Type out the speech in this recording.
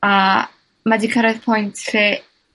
A, ma' 'di cyrraedd point lle